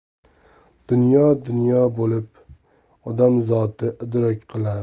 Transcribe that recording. dunyo dunyo bo'lib odam zoti idrok